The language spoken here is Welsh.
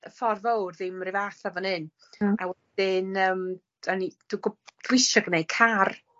y ffordd fowr ddim 'ru' fath a fan 'yn. Hmm. A wedyn yym o'n i.. Dwi gw-... Dwi isio gneud car.